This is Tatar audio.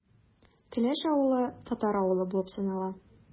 Келәш авылы – татар авылы булып санала.